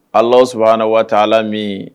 Ala sɔnna waa ala min